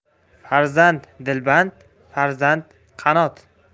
farzand dilband farzand qanot